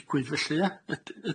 digwydd felly ia?